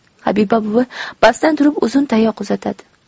habiba buvi pastdan turib uzun tayoq uzatadi